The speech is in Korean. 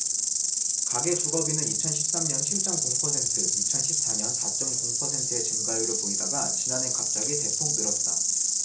가계 주거비는 이천 십 삼 년 칠 쩜 공 퍼센트 이천 십 사 년 사 쩜 공 퍼센트의 증가율을 보이다가 지난해 갑자기 대폭 늘었다